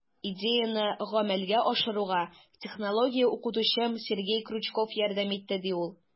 Идеяне гамәлгә ашыруга технология укытучым Сергей Крючков ярдәм итте, - ди ул.